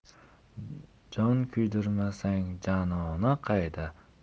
jon kuydirmasang jonona qayda